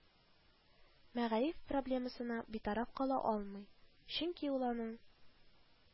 Мәгариф проблемасына битараф кала алмый, чөнки ул аның